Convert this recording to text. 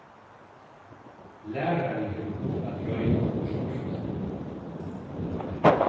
lærarin hevur hug at royna okkurt nýtt